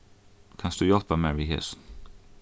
kanst tú hjálpa mær við hesum